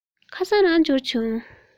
ཁ སང རང འབྱོར བྱུང